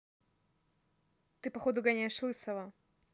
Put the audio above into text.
ты походу гоняешь лысого